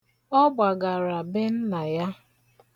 Ọ gbagara be nna ya.